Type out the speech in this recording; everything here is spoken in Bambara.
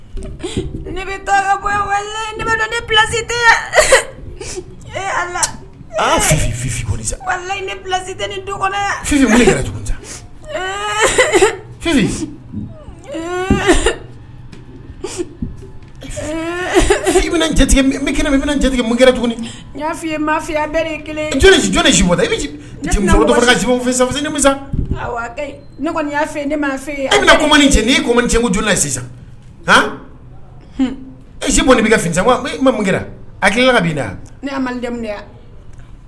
Nesi tɛ tɛ ni jatigi mun kɛra tuguni'a maya bɛɛ kelen jɔnni jɔnni si isa ne kɔni'a ne m ma fɛ bɛna man nin cɛn cɛ ni ko cɛ j ye sisan isi bɔ bɛ ka wa ma mun a hakilila ka' i da